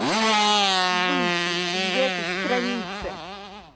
выйди из этой страницы